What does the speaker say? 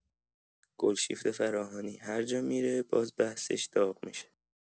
گلشیفته فراهانی هر جا می‌ره باز بحثش داغ می‌شه.